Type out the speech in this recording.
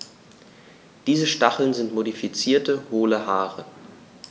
Diese Stacheln sind modifizierte, hohle Haare.